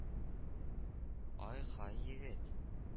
Ай-һай, егет…